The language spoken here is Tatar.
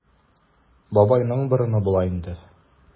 Бабайның борыны була инде.